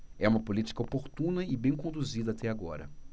é uma política oportuna e bem conduzida até agora